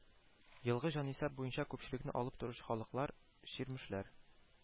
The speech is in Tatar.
Елгы җанисәп буенча күпчелекне алып торучы халыклар: чирмешләр